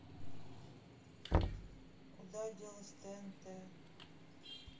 куда делось тнт